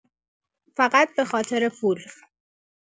فقط بخاطر پول